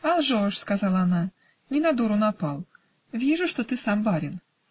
"А лжешь, -- сказала она, -- не на дуру напал. Вижу, что ты сам барин".